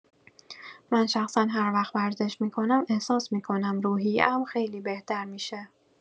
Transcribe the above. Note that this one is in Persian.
من شخصا هر وقت ورزش می‌کنم، احساس می‌کنم روحیه‌ام خیلی بهتر می‌شه.